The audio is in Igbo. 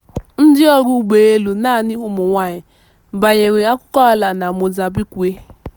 Ndịọrụ ụgbọelu naanị ụmụnwaanyị banyere akụkọala na Mozambique